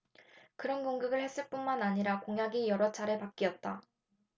그런 공격을 했을 뿐만 아니라 공약이 여러 차례 바뀌었다